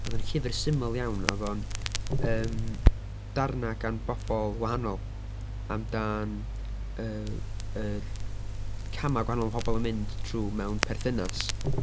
Roedd o'n llyfr syml iawn. Oedd o'n yym darnau gan bobl wahanol amdan yy yr camau gwahanol mae pobl yn mynd trwy mewn perthynas.